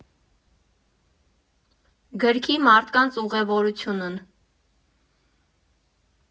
Գրքի մարդկանց ուղևորությունն։